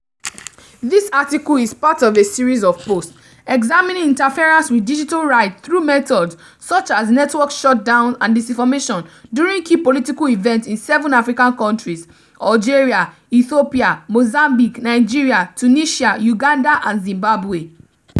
This article is part of a series of posts examining interference with digital rights through methods such as network shutdowns and disinformation during key political events in seven African countries: Algeria, Ethiopia, Mozambique, Nigeria, Tunisia, Uganda, and Zimbabwe.